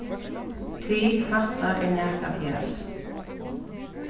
tig hatta er nakað fjas